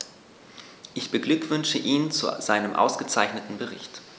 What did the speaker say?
Ich beglückwünsche ihn zu seinem ausgezeichneten Bericht.